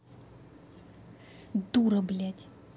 дура блять